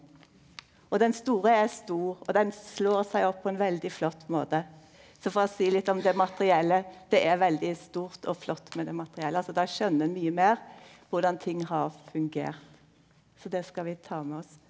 og den store er stor og den slår seg opp på ein veldig flott måte, så for å seie litt om det materielle, det er veldig stort og flott med det materielle altså då skjønner ein mykje meir korleis ting har fungert, så det skal vi ta med oss.